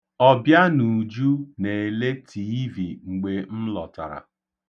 Obịanuju na-ele tiivi mgbe m lọtara.